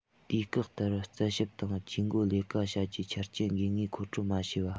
དུས བཀག ལྟར རྩད ཞིབ དང ཇུས འགོད ལས ཀ བྱ རྒྱུའི ཆ རྐྱེན དགོས ངེས མཁོ སྤྲོད མ བྱས པ